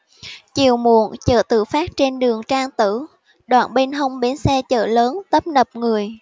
chiều muộn chợ tự phát trên đường trang tử đoạn bên hông bến xe chợ lớn tấp nập người